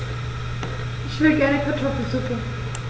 Ich will gerne Kartoffelsuppe.